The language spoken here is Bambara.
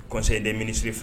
Kɔsɛbɛ in tɛ minisiriri fɛ